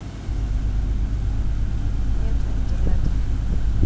нету интернета